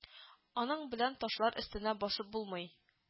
Аның белән ташлар өстенә басып булмый